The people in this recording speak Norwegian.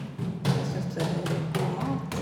Vi syns det er god mat.